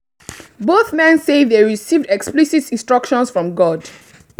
Both men say they received explicit instructions from God